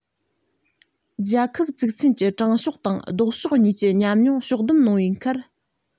རྒྱལ ཁབ བཙུགས ཚུན གྱི དྲང ཕྱོགས དང ལྡོག ཕྱོགས གཉིས ཀྱི ཉམས མྱོང ཕྱོགས བསྡོམས གནང བའི ཁར